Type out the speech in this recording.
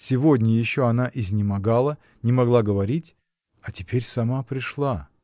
Сегодня еще она изнемогала, не могла говорить, а теперь сама пришла!